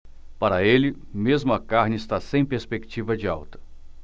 para ele mesmo a carne está sem perspectiva de alta